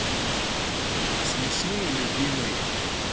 смешные любимые